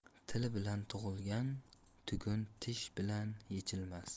til bilan tugilgan tugun tish bilan yechilmas